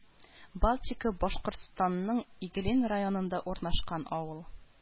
Балтика Башкортстанның Иглин районында урнашкан авыл